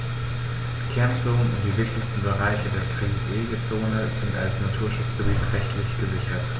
Kernzonen und die wichtigsten Bereiche der Pflegezone sind als Naturschutzgebiete rechtlich gesichert.